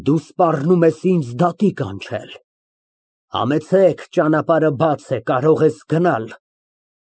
Դու սպառնում ես ինձ դատի կանչել։ Համեցեք, ճանապարհը բաց է, կարող ես գնալ։